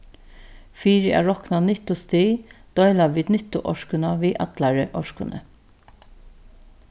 fyri at rokna nyttustig deila vit nyttuorkuna við allari orkuni